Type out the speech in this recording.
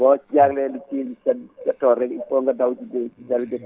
boo jaaxlee ci sa sa tool rekk il faut nga daw si